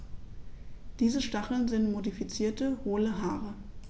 Diese Stacheln sind modifizierte, hohle Haare.